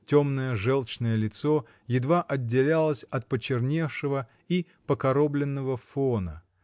темное, желчное лицо едва отделялось от почерневшего и покоробленного фона